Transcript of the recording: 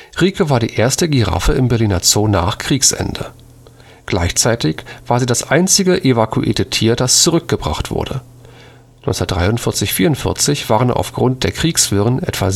Rieke war die erste Giraffe im Berliner Zoo nach Kriegsende. Gleichzeitig war sie das einzige evakuierte Tier, das zurückgebracht wurde. 1943 / 44 waren aufgrund der Kriegswirren etwa